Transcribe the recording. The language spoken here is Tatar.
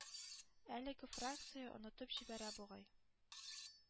Әлеге фракция онытып җибәрә бугай.